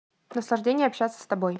наслаждение общаться с тобой